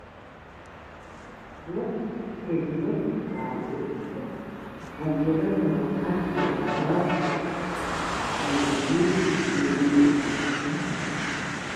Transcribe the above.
Waa caano ku jiro caagado caagadaha waa cad iyo cagaar iyo gaduud iyo madow